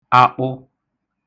akpụ